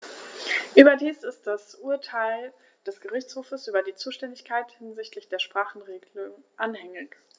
Überdies ist das Urteil des Gerichtshofes über die Zuständigkeit hinsichtlich der Sprachenregelung anhängig.